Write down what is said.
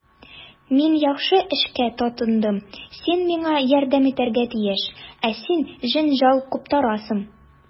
Мин яхшы эшкә тотындым, син миңа ярдәм итәргә тиеш, ә син җәнҗал куптарасың.